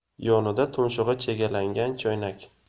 yonida tumshug'i chegalangan choynak